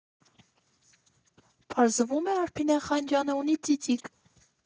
«Պարզվում ա, Արսինե Խանջյանը ունի ծիծիկ։